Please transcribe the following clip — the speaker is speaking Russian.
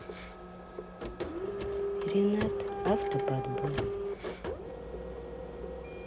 ренат автоподбор